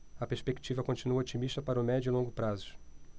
a perspectiva continua otimista para o médio e longo prazos